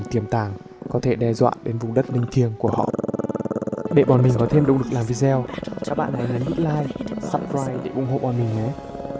và để khám phá những nguy hiểm tiềm tàng có thể đe dọa vùng đất linh thiêng của họ để bọn mình có thêm động lực làm video các bạn hãy nhấn nút like và subscribe để ủng hộ bọn mình nhé